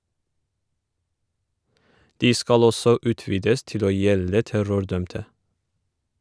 De skal også utvides til å gjelde terrordømte.